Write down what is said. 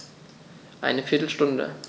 Eine viertel Stunde